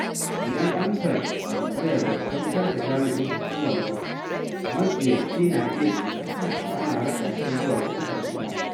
Idan amsar tambayar ba ta gamsar da jami'in hukumar ba, maziyarci na iya tsintar kansa ana raka shi zuwa ƙofar fita.